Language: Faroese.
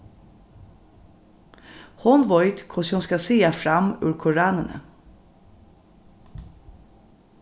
hon veit hvussu hon skal siga fram úr koranini